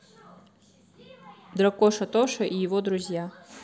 дракоша тоша и его друзья